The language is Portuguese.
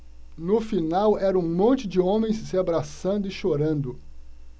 no final era um monte de homens se abraçando e chorando